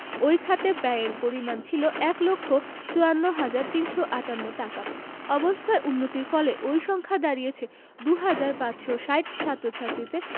ওই খাতে ব্যয়ের পরিমাণ ছিল ১ লক্ষ ৫৪ হাজার ৩৫৮ টাকা অবস্থার উন্নতির ফলে ওই সংখ্যা দাঁড়িয়েছে ২ হাজার ৫৬০ ছাত্রছাত্রীতে